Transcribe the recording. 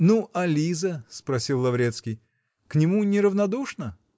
-- Ну, а Лиза, -- спросил Лаврецкий, -- к нему неравнодушна?